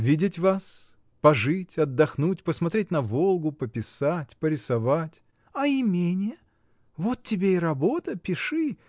— Видеть вас, пожить, отдохнуть, посмотреть на Волгу, пописать, порисовать. — А имение? Вот тебе и работа: пиши!